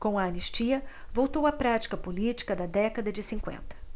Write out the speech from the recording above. com a anistia voltou a prática política da década de cinquenta